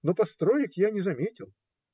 Но построек я не заметил.